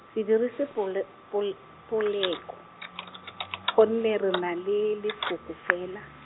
se dirise pole-, pol-, poleko-, gonne re na le lefoko fela.